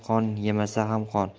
qon yemasa ham qon